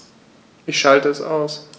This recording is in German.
Ich schalte es aus.